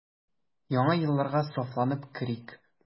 Яңа елларга сафланып керик.